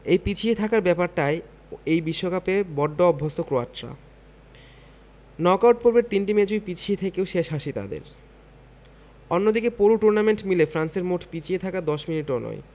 এই পিছিয়ে থাকার ব্যাপারটায় এই বিশ্বকাপে বড্ড অভ্যস্ত ক্রোয়াটরা নক আউট পর্বের তিনটি ম্যাচই পিছিয়ে থেকেও শেষ হাসি তাদের অন্যদিকে পুরো টুর্নামেন্ট মিলে ফ্রান্সের মোট পিছিয়ে থাকা ১০ মিনিটও নয়